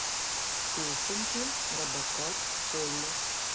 песенки робокар полли